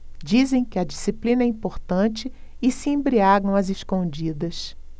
dizem que a disciplina é importante e se embriagam às escondidas